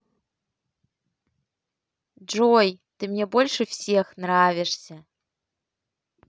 джой ты мне больше всех нравишься